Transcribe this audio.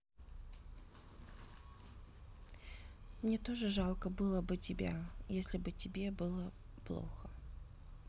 мне тоже жалко было бы тебя если бы тебе было плохо